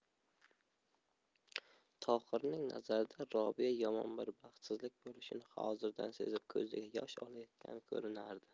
tohirning nazarida robiya yomon bir baxtsizlik bo'lishini hozirdan sezib ko'ziga yosh olayotgandek ko'rinardi